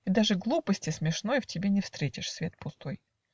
И даже глупости смешной В тебе не встретишь, свет пустой.